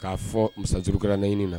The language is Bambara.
K'a fɔ muuru kɛra naɲini na